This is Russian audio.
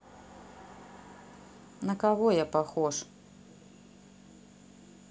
на кого я похож